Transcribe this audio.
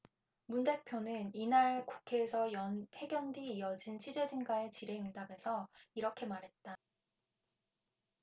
문 대표는 이날 국회에서 연 회견 뒤 이어진 취재진과의 질의응답에서 이렇게 말했다